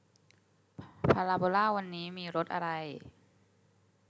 พาราโบลาวันนี้มีรสอะไร